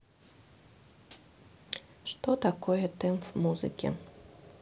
что такое темп в музыке